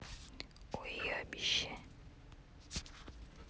уебище